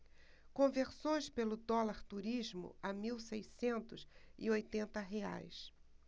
conversões pelo dólar turismo a mil seiscentos e oitenta reais